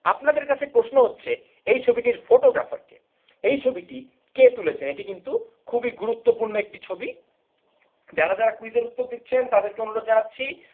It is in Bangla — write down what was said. আপনাদের কাছে প্রশ্ন সেই ছবিটি ফটোগ্রাফারকে ছবিটি কে তুলেছেন এটি কিন্তু খুবই গুরুত্বপূর্ণ একটি ছবি যারা যারা কুইজের উত্তর দিচ্ছেন তাদেরকে অনুরোধ জানাচ্ছি